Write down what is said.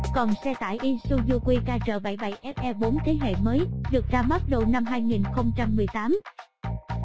còn xe tải isuzu qkr fe thế hệ mới được ra mắt đầu năm